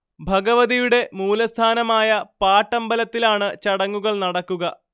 ഭഗവതിയുടെ മൂലസ്ഥാനമായ പാട്ടമ്പലത്തിലാണ് ചടങ്ങുകൾ നടക്കുക